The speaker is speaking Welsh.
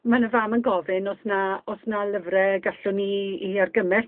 Ma' 'ny fam yn gofyn o's 'na o's 'na lyfre gallwn i 'u argymell.